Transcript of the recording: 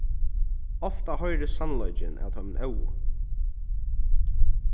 ofta hoyrist sannleikin av teimum óðu